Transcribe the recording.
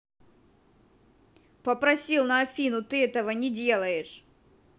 попросил на афину ты этого не делаешь